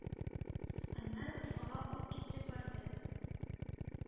Аннары Уфага ук китеп барды.